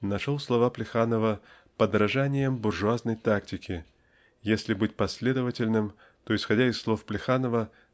нашел слова Плеханова "подражанием буржуазной тактике. Если быть последовательным то исходя из слов Плеханова